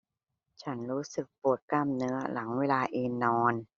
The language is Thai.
ฉันรู้สึกปวดกล้ามเนื้อหลังเวลาเอนนอน